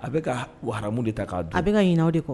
A bɛ ka wamu de ta k'a a bɛka ka ɲinininɛ o de kɔ